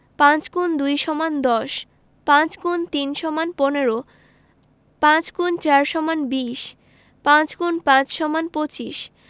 ৫× ২ = ১০ ৫× ৩ = ১৫ ৫× ৪ = ২০ ৫× ৫ = ২৫